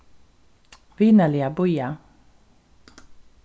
vinarliga bíða